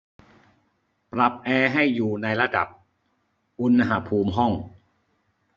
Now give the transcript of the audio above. ปรับแอร์ให้อยู่ในระดับอุณหภูมิห้อง